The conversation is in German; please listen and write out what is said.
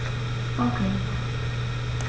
Okay.